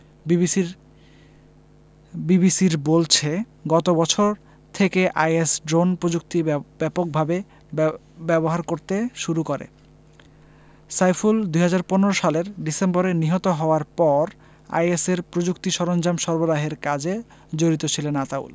বিবিসির বিবিসির বলছে গত বছর থেকে আইএস ড্রোন প্রযুক্তি ব্যাপকভাবে ব্যবহার করতে শুরু করে সাইফুল ২০১৫ সালের ডিসেম্বরে নিহত হওয়ার পর আইএসের প্রযুক্তি সরঞ্জাম সরবরাহের কাজে জড়িত ছিলেন আতাউল